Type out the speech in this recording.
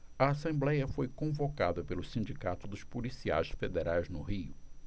a assembléia foi convocada pelo sindicato dos policiais federais no rio